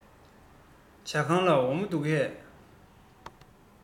ཟ ཁང ལ འོ མ འདུག གས